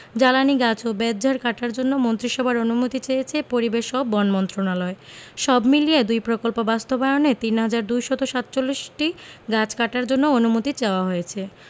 জ্বালানি গাছ ও বেতঝাড় কাটার জন্য মন্ত্রিসভার অনুমতি চেয়েছে পরিবেশ ও বন মন্ত্রণালয় সব মিলিয়ে দুই প্রকল্প বাস্তবায়নে ৩হাজার ২৪৭টি গাছ কাটার জন্য অনুমতি চাওয়া হয়েছে